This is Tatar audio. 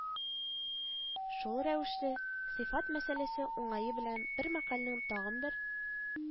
Шул рәвешле сыйфат мәсьәләсе уңае белән без мәкальнең тагын бер